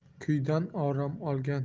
kuydan orom olgan